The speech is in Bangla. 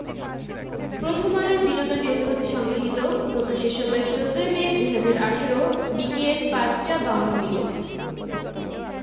প্রথমআলোর বিনোদন ডেস্কথেকে সংগ্রহীত প্রকাশের সময় ১৪মে ২০১৮ বিকেল ৫টা ৫২ মিনিট